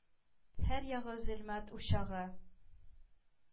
Һәр ягы зөлмат учагы,